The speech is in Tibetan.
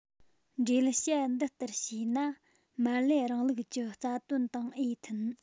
འགྲེལ བཤད འདི ལྟར བྱས ན མར ལེ རིང ལུགས ཀྱི རྩ དོན དང ཨེ མཐུན